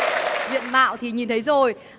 diện mạo thì nhìn thấy rồi